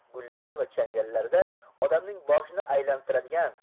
gullari va changlarida odamning boshini aylantiradigan